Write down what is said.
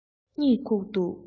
གཉིད ཁུག འདུག